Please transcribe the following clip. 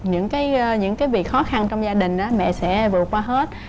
những cái những cái việc khó khăn trong gia đình á mẹ sẽ vượt qua hết